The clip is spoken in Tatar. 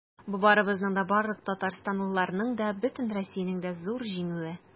Бу барыбызның да, барлык татарстанлыларның да, бөтен Россиянең дә зур җиңүе.